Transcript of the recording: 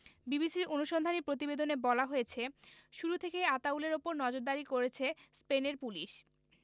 বিবিসির অনুসন্ধানী প্রতিবেদনে বলা হয়েছে শুরু থেকেই আতাউলের ওপর নজরদারি করেছে স্পেনের পুলিশ